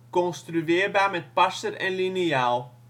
construeerbaar met passer en liniaal